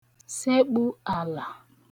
sekpu àlà